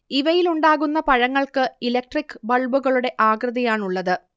ഇവയിലുണ്ടാകുന്ന പഴങ്ങൾക്ക് ഇലക്ട്രിക് ബൾബുകളുടെ ആകൃതിയാണുള്ളത്